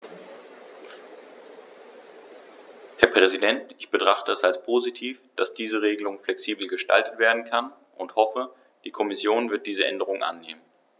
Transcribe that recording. Herr Präsident, ich betrachte es als positiv, dass diese Regelung flexibel gestaltet werden kann und hoffe, die Kommission wird diese Änderung annehmen.